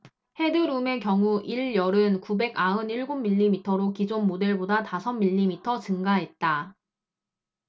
헤드룸의 경우 일 열은 구백 아흔 일곱 밀리미터로 기존 모델보다 다섯 밀리미터 증가했다